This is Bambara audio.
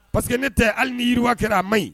Parce que ne tɛ hali ni yiriwa kɛra a maɲi